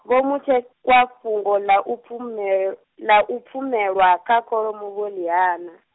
Vho Mutshekwa fhungo ḽa u pfume-, ḽa u pfumelwa kha kholomo vho ḽi hana.